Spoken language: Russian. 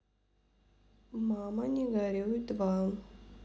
мама не горюй два